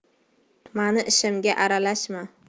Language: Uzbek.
mani ishimga aralashma